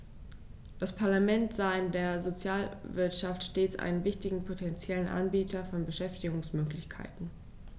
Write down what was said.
Das Parlament sah in der Sozialwirtschaft stets einen wichtigen potentiellen Anbieter von Beschäftigungsmöglichkeiten.